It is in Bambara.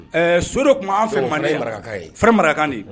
Ɛɛ so de tun an fɔ mande marakakan de